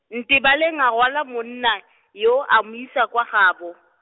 Ntebaleng a rwala monna, yo a mo isa kwa gabo.